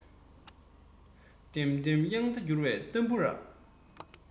ལྡེམ ལྡེམ དབྱངས རྟ འགྱུར བའི ཏམ བུ ར